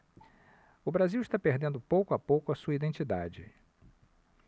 o brasil está perdendo pouco a pouco a sua identidade